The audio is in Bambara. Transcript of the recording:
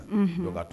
Unhu,